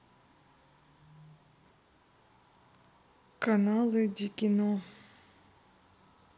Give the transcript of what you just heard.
каналы ди кино